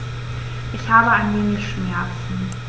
Ich habe ein wenig Schmerzen.